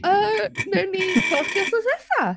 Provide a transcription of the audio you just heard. yy wnawn ni gweld chi wythnos nesa!